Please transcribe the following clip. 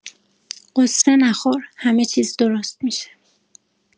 غصه نخور همه چیز درست می‌شه